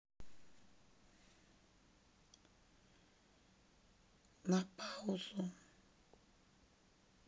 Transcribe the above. на паузу